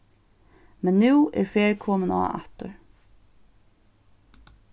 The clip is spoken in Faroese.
men nú er ferð komin á aftur